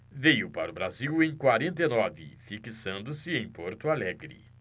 veio para o brasil em quarenta e nove fixando-se em porto alegre